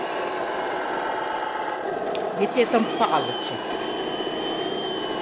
я тебе там палочек